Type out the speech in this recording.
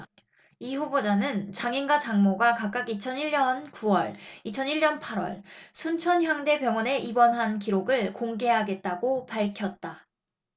이 후보자는 장인과 장모가 각각 이천 일 년 구 월 이천 일 년 팔 월 순천향대 병원에 입원한 기록을 공개하겠다고 밝혔다